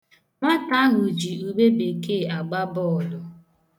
Nwata ahụ ji ubebekee ji agba bọọlụ